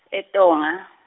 eTonga.